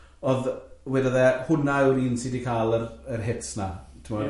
Odd wedodd e, hwnna yw'r un sy'n cael yr yr hits na t'mod?